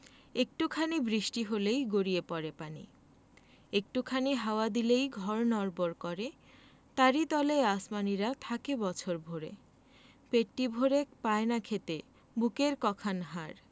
একটু খানি বৃষ্টি হলেই গড়িয়ে পড়ে পানি একটু খানি হাওয়া দিলেই ঘর নড়বড় করে তারি তলে আসমানীরা থাকে বছর ভরে পেটটি ভরে পায় না খেতে বুকের কখান হাড়